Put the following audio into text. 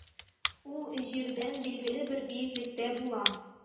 Ул җирдән билгеле бер биеклектә була.